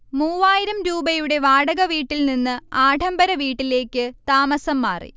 മൂവായിരം രൂപയുടെ വാടകവീട്ടിൽ നിന്ന് ആഢംബര വീട്ടിലേക്ക് താമസം മാറി